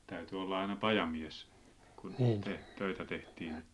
täytyi olla aina pajamies kun töitä tehtiin